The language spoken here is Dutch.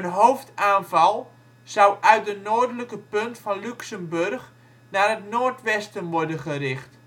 hoofdaanval zou uit de noordelijke punt van Luxemburg naar het noordwesten worden gericht.